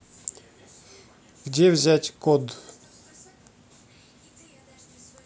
где взять код